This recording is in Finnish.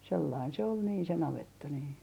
sellainen se oli niin se navetta niin